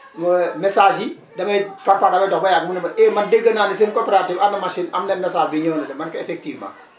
mooy messages !fra yi da ngay parfois da ngay toog ba mu yàgg mu ne ma eh man dégg naa ni seen coopérative am na machine am nay messages bii ñëw na de ma ne ko effectivement